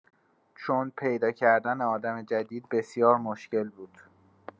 چون پیداکردن آدم جدید بسیار مشکل بود.